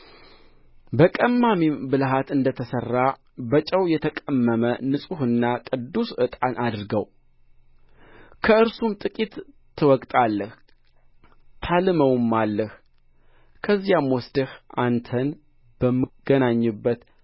በቀማሚ ብልሃት እንደ ተሠራ በጨው የተቀመመ ንጹሕና ቅዱስ ዕጣን አድርገው ከእርሱም ጥቂት ትወቅጣለህ ታልመውማለህ ከዚያም ወስደህ አንተን በምገናኝበት